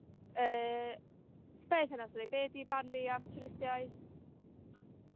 Yy so be o'dd hynna sori? Be 'di barn fi am twristiaeth